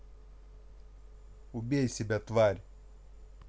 убей себя тварь